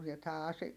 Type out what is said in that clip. ja tämä -